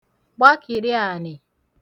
gbakìri ànị̀